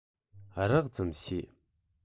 རགས ཙམ ཤེས